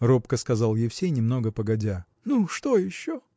– робко сказал Евсей немного погодя. – Ну, что еще?